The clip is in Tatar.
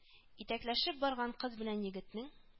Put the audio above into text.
Җитәкләшеп барган кыз белән егетнең